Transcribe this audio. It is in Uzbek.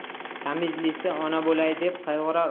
tamizlisi ona bo'lay deb qayg'urar